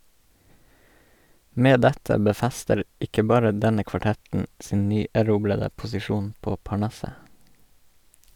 Med dette befester ikke bare denne kvartetten sin nyerobrede posisjon på parnasset.